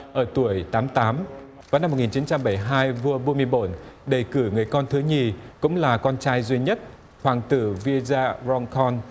ở tuổi tám tám năm một nghìn chín trăm bảy hai vua bum mi bổn đề cử người con thứ nhì cũng là con trai duy nhất hoàng tử vi da ron coong